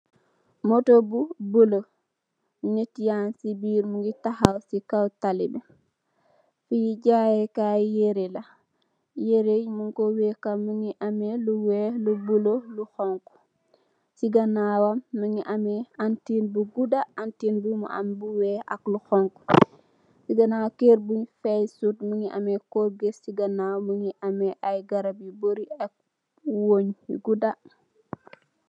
Motor bu bulo neet yage birr muge tahaw se kaw talih be fe jaye kaye yere la yere ye mungku weka muge ameh lu weex lu bulo lu xonxo se ganawam muge ameh antin bu gouda antin bu am bu weex ak lu xonxo se ganaw kerr bun fensut muge ameh corget se ganaw muge ameh aye garab yu bary ak weah bu gouda.